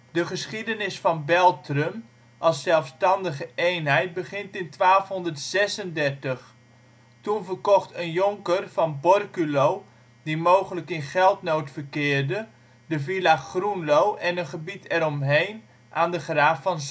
De geschiedenis van Beltrum (een verbastering van Belteren of Velteren) als zelfstandige eenheid begint in 1236. Toen verkocht een jonker van Borculo, die mogelijk in geldnood verkeerde, de villa Groenlo en een gebied er omheen aan de graaf van